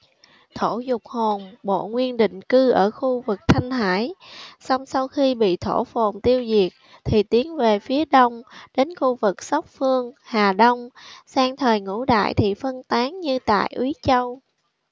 thổ dục hồn bộ nguyên định cư ở khu vực thanh hải song sau khi bị thổ phồn tiêu diệt thì tiến về phía đông đến khu vực sóc phương hà đông sang thời ngũ đại thì phân tán như tại úy châu